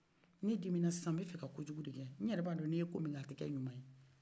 ne dimina sisan n b'a fɛ ka jugu dɔgɔ n yɛrɛ b'a dɔ ni ye min k'o tɛɲumaye